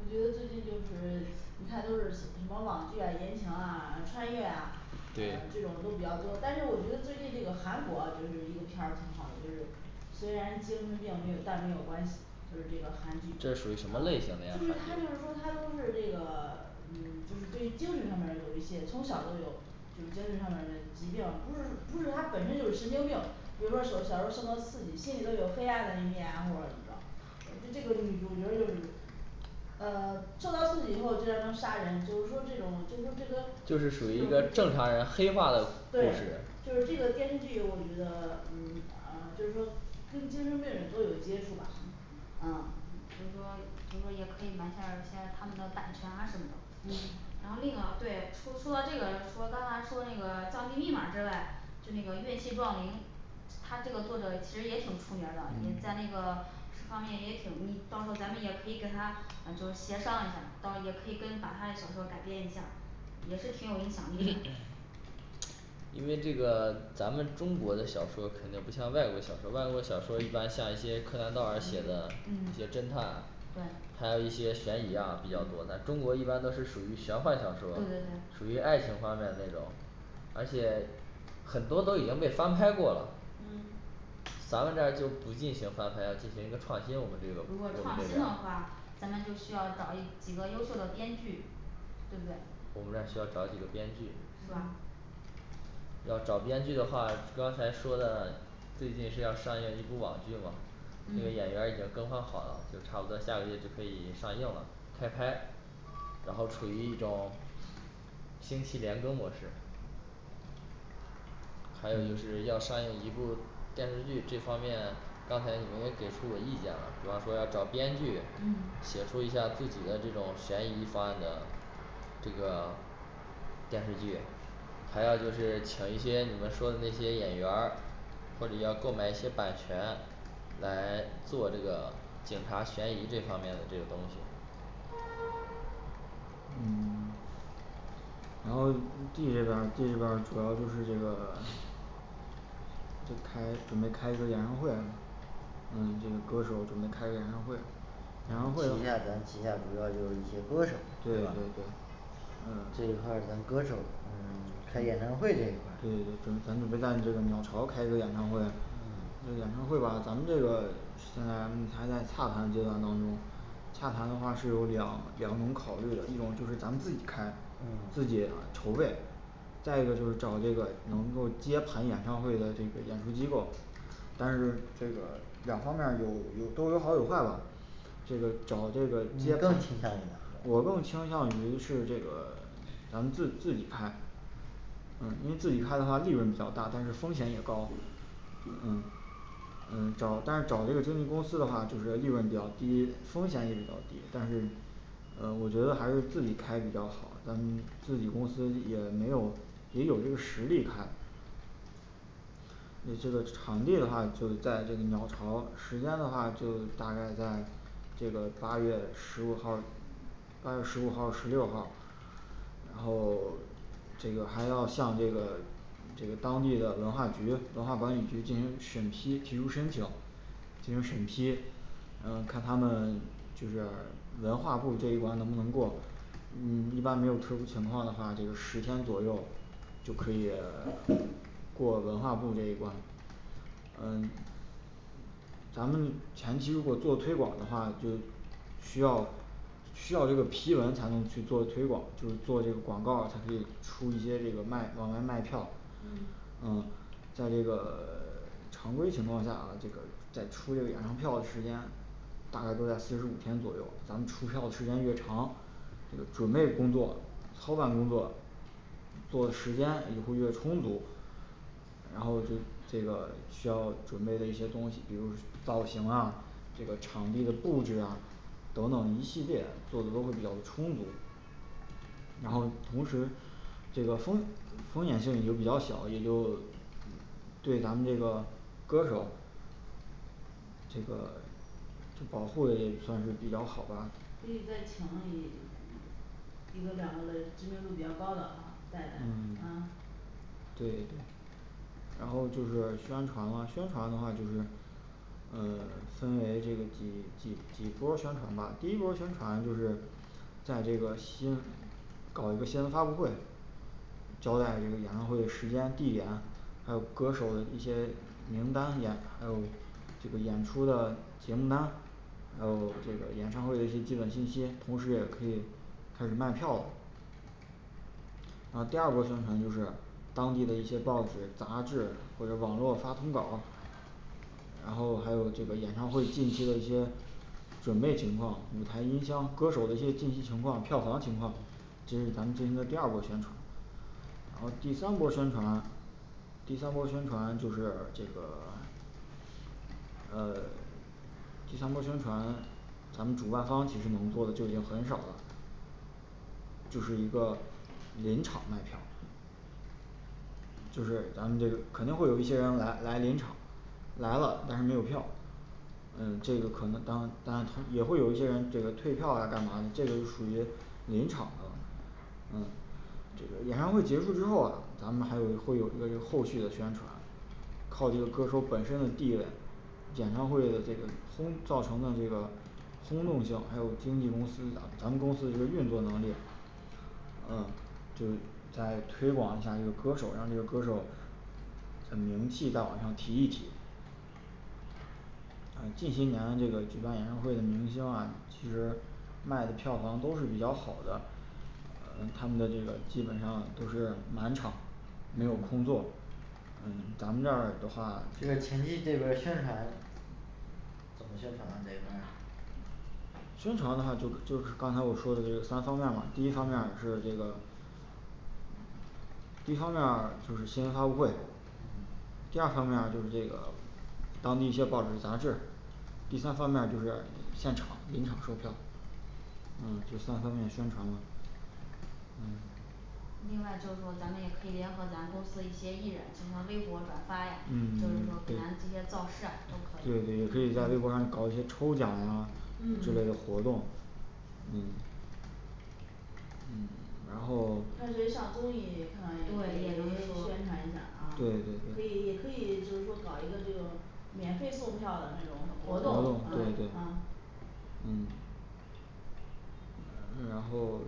我觉得最近就是你看都是什么网剧呀言情啊穿越呀啊对这种都比较多但是我觉得最近这个韩国就是一个片儿挺好的就是虽然精神病没有但没有关系就是这个韩剧这属于啊就是什么类型的呀它韩就剧是说它都是这个 嗯就是对精神上面儿有一些从小都有就精神上的那疾病不是不是他本身就是神经病比如说小小时候儿受到刺激心理都有黑暗的一面啊或者怎么着啊就这个女主角儿就是呃 受到刺激以后就让他们杀人就是说这种就就是是说属于一这个个正常人黑化的故对事就说这个电视剧我觉得嗯啊就是说跟精神病人都有接触吧嗯啊就是说就是说也可以拿下儿先他们的版权啊什么的嗯然后另一个对说说到这个除了刚刚说那个盗密密码儿之外就那个怨气撞铃它这个作者其实也挺出名儿的嗯也在那 个这方面也挺你到时候咱们也可以跟他啊就是协商一下儿到也可以跟把他的小说改编一下也是挺有影响力的因为这个咱们中国的小说儿肯定不像外国小说儿外国的小说儿一般像一些柯南道尔写的这些嗯侦探对还有一些悬疑呀比较多但嗯中国一般都是属于玄幻对对小说对属于爱情方面那种而且很多都已经被翻拍过了嗯咱们这儿就不进行翻拍了进行一个创新我们这个工如作果内创新容的话咱们就需要找一几个优秀的编剧对我不对们这儿需要找几个编剧是吧嗯要找编剧的话刚才说的最近是要上映一部网剧吗这演嗯员儿已经更换好了就差不多下个月就可以上映了开拍然后处于一种星期连更模式还有就是要上映一部儿电视剧这方面刚才你们也给出我意见了比方说找编剧嗯写出一下自己的这种悬疑方案的这个电视剧还要就是请一些你们说的那些演员儿或者要购买一些版权来做这个警察悬疑这方面的这种东西嗯然后D这边儿D这边儿主要就是这个就开准备开个演唱会嗯就着手准备开个演唱会演唱会对旗对对下咱旗下主要就是这些歌手对对对吧对这嗯一块儿咱歌手嗯 开演唱会这对块对儿对咱们咱们就在这个鸟巢开一个演唱会嗯这演唱会吧咱们这个现在还在洽谈阶段当中洽谈的话是有两两种考虑的一种就是咱们自己开嗯自己筹备再一个就是找这个能够接盘演唱会的这种演出机构但是这个两方面儿有有都有好有坏吧这个找这个你更倾向于哪个我更倾向于是这个咱们自自己开嗯因为自己开的话利润比较大但是风险也高嗯嗯找但是找这个经纪公司的话就是利润比较低风险也比较低但是呃我觉得还是自己开比较好咱们自己公司也没有也有这实力开你这个场地的话就在这个鸟巢时间的话就大概在这个八月十五号儿八月十五号儿十六号儿然后 这个还要向这个这个当地的文化局文化管理局进行审批提出申请进行审批呃看他们这边儿文化部这一关能不能过嗯一般没有特殊情况的话就是十天左右就可以 过文化部这一关嗯咱们前期如果做推广的话就需要需要这个批文才能去做推广就是做这个广告儿才可以出一些这个卖往外卖票嗯嗯再这个 常规情况下这个再除于谈票的时间大概就在四十五天左右咱们出票的时间越长就准备工作操办工作做的时间也会越充足然后就这个需要准备的一些东西比如造型啊这个场地的布置呀等等一系列做的都比较充足然后同时这个风风险性也就比较小也就对咱们这个歌手这个就保护的也算是比较好吧所以再请一嗯一个两个的知名度比较高的哈带带嗯嗯 对然后就是宣传了宣传的话就是嗯分为这个几几几波儿宣传吧第一波儿宣传就是在这个新搞一个新闻发布会交代这个演唱会时间地点还有歌手一些名单演还有这个演出的节目单还有这个演唱会的一些基本信息同时也可以开始卖票了然后第二部分那就是当地的一些报纸杂志或者网络发通稿儿1然后还有这个演唱会近期的一些准备情况舞台音箱歌手儿的一些信息情况票房情况这是咱们进行的第二波儿宣传啊第三波儿宣传呢第三波儿宣传就是这个 呃第三波儿宣传咱们主办方其实能做的就已经很少了就是一个临场卖票儿就是咱们这肯定会有一些人来来临场来了但是没有票嗯这个可能当当然也会有一些人这个退票啊干嘛的这个就属于临场的嗯这个演唱会结束之后啊咱们还有会有这个后续的宣传靠这个歌手本身的地位演唱会的这个通造成的这个轰动性还有经纪公司咱咱们公司这个运作能力嗯就再推广一下这个歌手让这个歌手嗯名气在往上提一提啊近些年这个举办演唱会的明星啊其实卖的票房都是比较好的他们的这个基本上都是满场没有空座嗯咱们这儿的话这个前期这个宣传怎么宣传呢这一块儿宣传的话就是就是我刚才我说的这三方面儿嘛第一方面儿是这个第一方面儿就是新闻发布会第二方面儿就是这个当地一些报纸杂志第三方面儿就是现场临场售票嗯就三方面宣传嘛嗯另外就是说咱们也可以联合咱公司的一些艺人进行微博转发呀嗯就是 说给咱这些造势啊都对对可可以以在微博上搞一些抽奖啊这类嗯的活动嗯嗯然后看谁上综艺看来对也也 宣能说传一下儿啊对对可对以也可以就是说搞一个这种免费送票的那种活活活动动动啊对对对嗯嗯然后